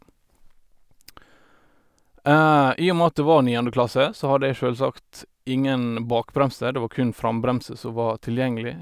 I og med at det var niendeklasse, så hadde jeg sjølsagt ingen bakbremse, det var kun frambremse som var tilgjengelig.